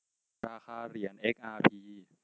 ราคาเหรียญเอ็กอาร์พี